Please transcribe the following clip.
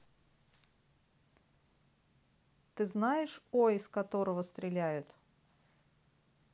ты знаешь о из которого стреляют